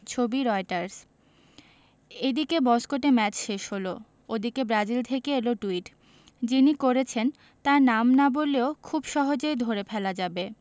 ছবি রয়টার্স এদিকে মস্কোতে ম্যাচ শেষ হলো ওদিকে ব্রাজিল থেকে এল টুইট যিনি করেছেন তাঁর নাম না বললেও খুব সহজেই ধরে ফেলা যাবে